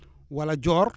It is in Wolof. wala joor